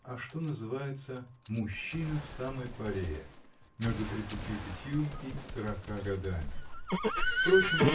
а что называется мужчина в самой поре – между тридцатью пятью и сорока годами. Впрочем